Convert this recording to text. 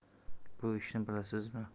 u ishni bilasizmi